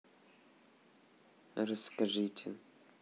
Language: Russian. расскажите